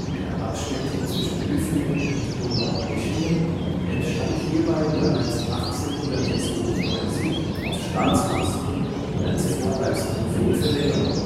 Der Abschnitt Hüfingen – Donaueschingen entstand hierbei bereits 1892 auf Staatskosten als Vorleistung für die Verlängerung